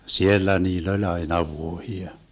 siellä niillä oli aina vuohia